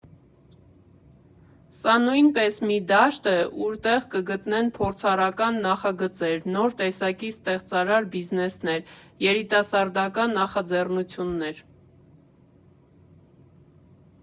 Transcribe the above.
Սա նույնպես մի դաշտ է, ուր տեղ կգտնեն փորձառարական նախագծեր, նոր տեսակի ստեղծարար բիզնեսներ, երիտասարդական նախաձեռնություններ։